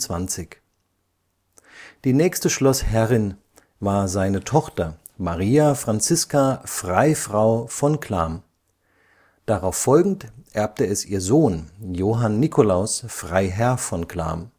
1725. Die nächste Schlossherrin war seine Tochter Maria Franzisca Freifrau von Clam. Darauffolgend erbte es ihr Sohn Johann Nicolaus Freiherr von Clam